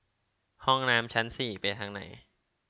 ห้องน้ำชั้นสี่ไปทางไหน